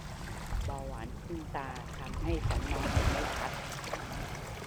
เบาหวานขึ้นตาทำให้ฉันมองเห็นไม่ชัด